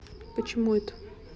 почему это